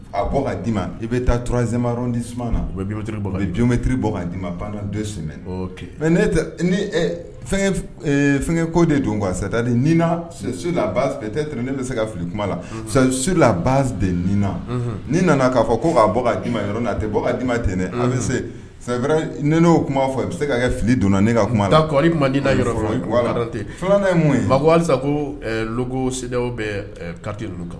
A bɔ k ka d dii ma i bɛ taa tzemaɔrɔn di sumaumana na o bɛ jɔn bɛ titiri bɔ k' d dii ma ban dons mɛ ne fɛnkɛ ko de don sata ne tɛ se ka fili kuma lala bad nin na' nana k'a fɔ ko k'a bɔ ka d di ma yɔrɔ n' a tɛ bɔditɛnɛ a bɛse sɛ n'o kuma b'a fɔ a bɛ se ka kɛ fili donna ne ka kuma taa kɔri man di la yɔrɔte filanan' ye mun ye ma ayisa ko gosidaw bɛ kate olu kan